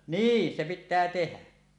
niin se pitää tehdä